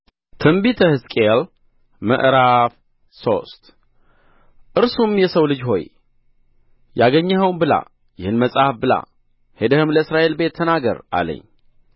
ትንቢተ ሕዝቅኤል ምዕራፍ ሶስት እርሱም የሰው ልጅ ሆይ ያገኘኸውን ብላ ይህን መጽሐፍ ብላ ሄደህም ለእስራኤል ቤት ተናገር አለኝ